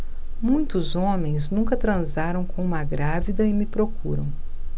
muitos homens nunca transaram com uma grávida e me procuram